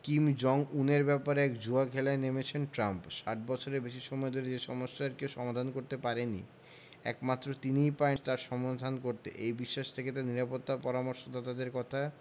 Kim Jong উনের ব্যাপারে এক জুয়া খেলায় নেমেছেন ট্রাম্প ৬০ বছরের বেশি সময় ধরে যে সমস্যার কেউ সমাধান করতে পারেনি একমাত্র তিনিই পারেন তার সমাধান করতে এই বিশ্বাস থেকে তাঁর নিরাপত্তা পরামর্শদাতাদের কথা